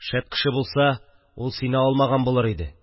– шәп кеше булса, ул сине алмаган булыр иде